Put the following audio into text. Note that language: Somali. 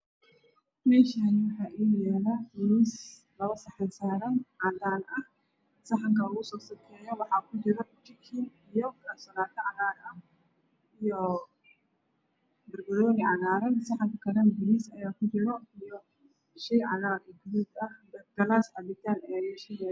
me Shani waxa iyalo miis laba saxan saran cadaan ah saxankaan ugu sosukeyo waxa kujuro jikin iyo asalata cagar ah iyo barbaroni cagaran saxan kakala na bariis aya kujiro iyo shey cagar iya gadud ah galas cabitan ah